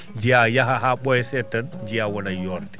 njiyaa yaha haa ɓooya seeɗa tan njiyaa wona e yoorde